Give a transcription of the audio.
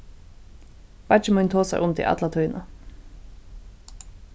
beiggi mín tosar um teg alla tíðina